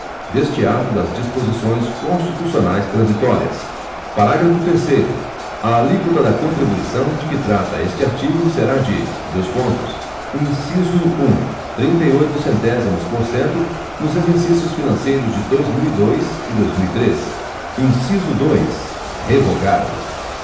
deste ato das disposições constitucionais transitórias parágrafo terceiro a alíquota da contribuição de que trata este artigo será de dois pontos inciso um trinta e oito centésimos por cento nos exercícios financeiros de dois mil e dois e dois mil e três inciso dois revogado